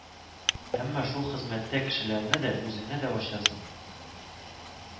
Әмма шул хезмәттә кешеләрне дә, үзеңне дә ачасың